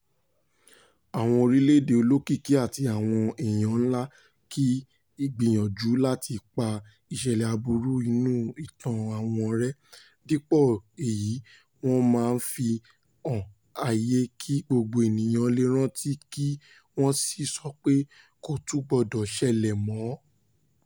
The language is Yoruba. Àwọn orílẹ̀-èdè olókìkí àti àwọn èèyàn ńlá kì í gbìyànjú láti pa ìṣẹ̀lẹ̀ aburú inú ìtàn-an wọn rẹ́, dípò èyí wọ́n máa ń fi han ayé kí gbogbo ènìyàn lè rántí kí wọ́n sì sọ pé "KÒ TÚN GBỌDỌ̀ ṢẸLẸ̀ MỌ́ ".